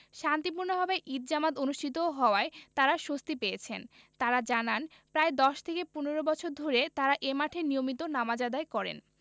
শান্তিপূর্ণভাবে ঈদ জামাত অনুষ্ঠিত হওয়ায় তাঁরা স্বস্তি পেয়েছেন তাঁরা জানান প্রায় ১০ থেকে ১৫ বছর ধরে তাঁরা এ মাঠে নিয়মিত নামাজ আদায় করেন